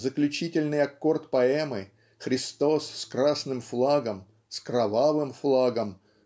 заключительный аккорд поэмы Христос с красным флагом с кровавым флагом